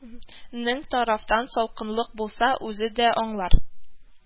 Нең тарафтан салкынлык булса, үзе дә аңлар